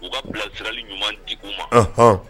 U ka bilasirali ɲuman di u man, ɔnhɔn.